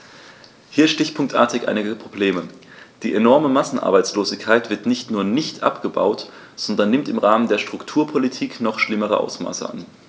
Hier stichpunktartig einige Probleme: Die enorme Massenarbeitslosigkeit wird nicht nur nicht abgebaut, sondern nimmt im Rahmen der Strukturpolitik noch schlimmere Ausmaße an.